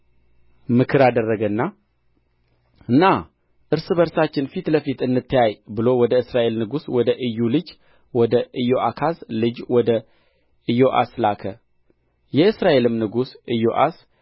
ምክር አደረገና ና እርስ በርሳችን ፊት ለፊት እንተያይ ብሎ ወደ እስራኤል ንጉሥ ወደ ኢዩ ልጅ ወደ ኢዮአካዝ ልጅ ወደ ኢዮአስ ላከ የእስራኤልም ንጉሥ ኢዮስያስ